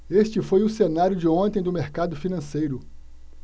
este foi o cenário de ontem do mercado financeiro